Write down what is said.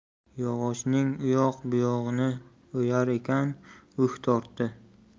yog'ochning uyoq buyog'ini o'yar ekan uh tortdi